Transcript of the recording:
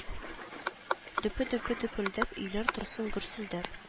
Дөпе-дөпе дөпелдәт өйләр торсын гөрселдәп